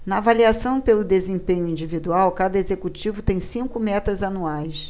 na avaliação pelo desempenho individual cada executivo tem cinco metas anuais